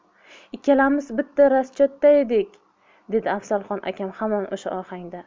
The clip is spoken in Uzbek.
ikkalamiz bitta raschyotda edik dedi afzalxon akam hamon o'sha ohangda